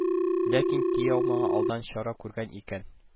Ләкин кияү моңа алдан чара күргән икән: